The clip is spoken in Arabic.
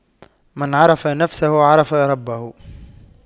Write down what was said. من عرف نفسه عرف ربه